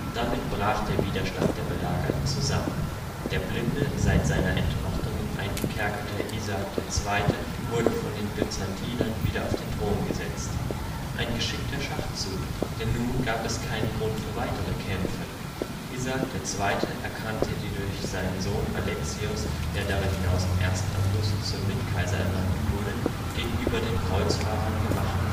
Damit brach der Widerstand der Belagerten zusammen. Der blinde, seit seiner Entmachtung eingekerkerte Isaak II. wurde von den Byzantinern wieder auf den Thron gesetzt. Ein geschickter Schachzug, denn nun gab es keinen Grund für weitere Kämpfe. Isaak II. erkannte die durch seinen Sohn Alexios, der darüber hinaus am 1. August zum Mitkaiser ernannt wurde, gegenüber den Kreuzfahrern gemachten